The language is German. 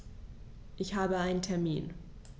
Ich habe einen Termin.